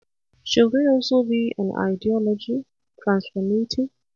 Should it also be an ideology, transformative?